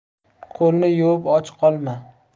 qo'lni yuvib och qolma